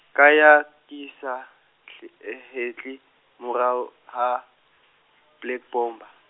ka ya, ke sa, hl- hetle, morao ho , Black Bomber.